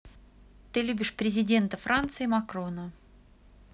ты любишь президента франции макрона